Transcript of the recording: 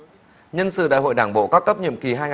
nhân sự đại hội đảng bộ các cấp nhiệm kỳ hai